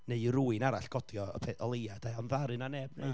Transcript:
neu i rywun arall godi o, y pe- o leiau de, ond ddaru na neb wneud... na.